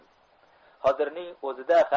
hoziming o'zida